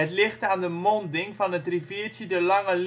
ligt aan de monding van het riviertje de Lange